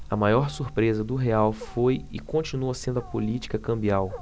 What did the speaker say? a maior surpresa do real foi e continua sendo a política cambial